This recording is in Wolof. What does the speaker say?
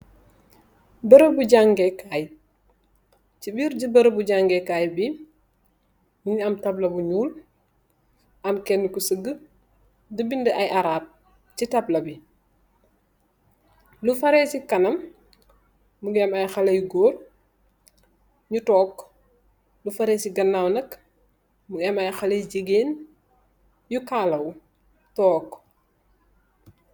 Berembi jangeh kai si berembi jangeh kai bi mogi am tablu bu nuul am kena ko sega di benda ay Arab si tamla lu fareh si kanam mogi am ay xale yu goor yu tog nyu fareh si ganaw mogi am ay xale yu jigeen yu kalawu tog.